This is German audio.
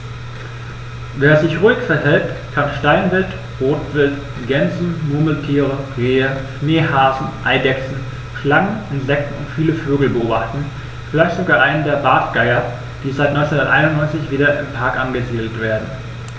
Wer sich ruhig verhält, kann Steinwild, Rotwild, Gämsen, Murmeltiere, Rehe, Schneehasen, Eidechsen, Schlangen, Insekten und viele Vögel beobachten, vielleicht sogar einen der Bartgeier, die seit 1991 wieder im Park angesiedelt werden.